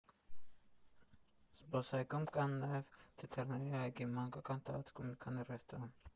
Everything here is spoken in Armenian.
Զբոսայգում կան նաև թիթեռների այգի, մանկական տարածք ու մի քանի ռեստորան.